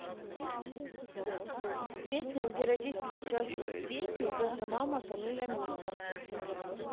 песня где родители участвуют в песне и даже мама камиль аминка